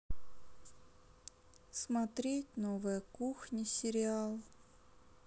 смотреть новая кухня сериал